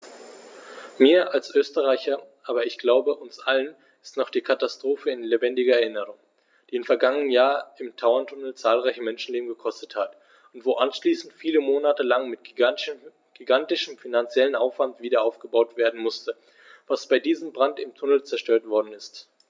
Mir als Österreicher, aber ich glaube, uns allen ist noch die Katastrophe in lebendiger Erinnerung, die im vergangenen Jahr im Tauerntunnel zahlreiche Menschenleben gekostet hat und wo anschließend viele Monate lang mit gigantischem finanziellem Aufwand wiederaufgebaut werden musste, was bei diesem Brand im Tunnel zerstört worden ist.